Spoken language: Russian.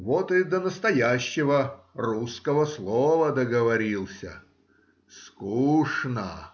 Вот и до настоящего русского слова договорился: скучно!